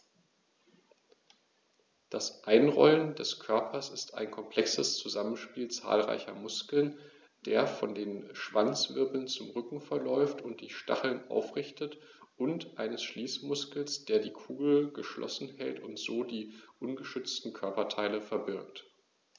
Das Einrollen des Körpers ist ein komplexes Zusammenspiel zahlreicher Muskeln, der von den Schwanzwirbeln zum Rücken verläuft und die Stacheln aufrichtet, und eines Schließmuskels, der die Kugel geschlossen hält und so die ungeschützten Körperteile verbirgt.